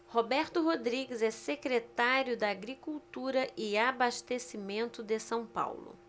roberto rodrigues é secretário da agricultura e abastecimento de são paulo